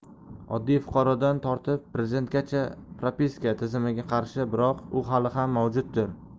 oddiy fuqarodan tortib prezidentgacha propiska tizimiga qarshi biroq u hali ham mavjuddir